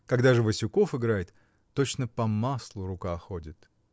Когда же Васюков играет — точно по маслу рука ходит.